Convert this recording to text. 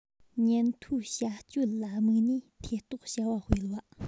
ཉེན མཐོའི བྱ སྤྱོད ལ དམིགས ནས ཐེ གཏོགས བྱ བ སྤེལ བ